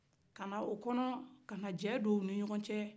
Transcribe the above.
kana o kɔnɔ kana jɛ don u nin ɲɔgɔ cɛ